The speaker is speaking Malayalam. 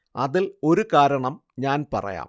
അതില്‍ ഒരു കാരണം ഞാന് പറയാം